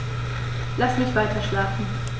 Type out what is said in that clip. Lass mich weiterschlafen.